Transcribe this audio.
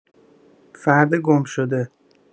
فرد گم‌شده